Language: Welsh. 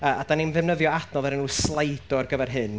a a dan ni'n ddefnyddio adnodd o'r enw Slido ar gyfer hyn.